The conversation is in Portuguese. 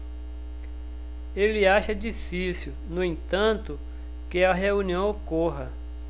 ele acha difícil no entanto que a reunião ocorra